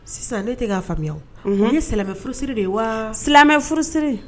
Sisan ne te ka famuyaw . Unhun. Nin ye silamɛfurusiri de ye wa Silamɛfurusiri. iri de ye wa silamɛf furusiri.